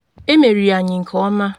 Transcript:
Emeriri anyị nke ọma.”